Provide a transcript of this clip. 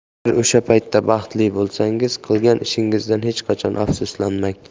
agar o'sha paytda baxtli bo'lsangiz qilgan ishingizdan hech qachon afsuslanmang